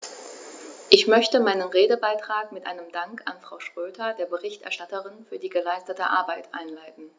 Ich möchte meinen Redebeitrag mit einem Dank an Frau Schroedter, der Berichterstatterin, für die geleistete Arbeit einleiten.